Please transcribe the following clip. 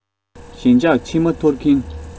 ཞེན ཆགས མཆི མ འཐོར གྱིན